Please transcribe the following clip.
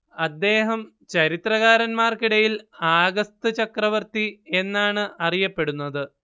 അദ്ദേഹം ചരിത്രകാരന്മാർക്കിടയിൽ ആഗസ്ത് ചക്രവർത്തി എന്നാണ് അറിയപ്പെടുന്നത്